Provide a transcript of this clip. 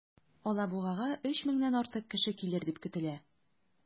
Алабугага 3 меңнән артык кеше килер дип көтелә.